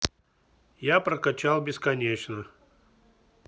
я прокачал бесконечно